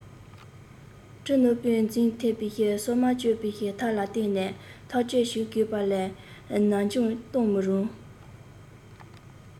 གྲི རྣོ པོས འཛིང ཐེབས པའི སོ མ གཅོད པའི ཐབས ལ བརྟེན ནས ཐག གཅོད བྱེད དགོས པ ལས ནར འགྱངས གཏོང མི རུང